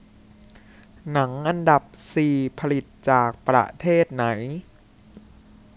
หนังอันดับสี่ผลิตจากประเทศไหน